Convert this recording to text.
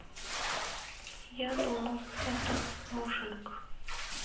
я думал это мужик